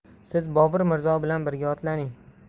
siz bobur mirzo bilan birga otlaning